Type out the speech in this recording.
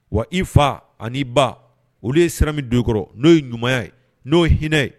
Wa i fa ani ba olu ye sira min donkɔrɔ n'o ye ɲumanya ye n'o hinɛ ye